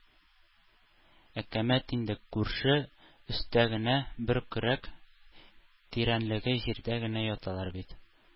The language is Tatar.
Әкәмәт инде, күрше, өстә генә, бер көрәк тирәнлеге җирдә генә яталар бит.